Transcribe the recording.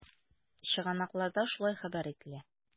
Чыганакларда шулай хәбәр ителә.